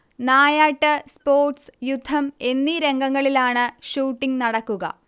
നായാട്ട്, sports, യുദ്ധം എന്നീ രംഗങ്ങളിലാണ് ഷൂട്ടിംഗ് നടക്കുക